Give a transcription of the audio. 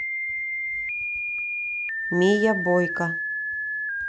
мия бойка